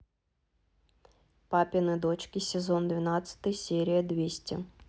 папины дочки сезон двенадцатый серия двести